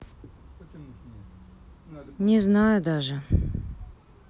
не знаю даже